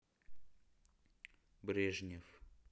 брежнев